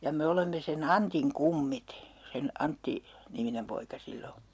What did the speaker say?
ja me olemme sen Antin kummit sen - Antti-niminen poika sillä on